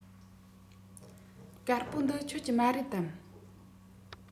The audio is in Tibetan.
དཀར པོ འདི ཁྱོད ཀྱི མ རེད དམ